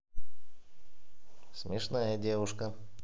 смешная девушка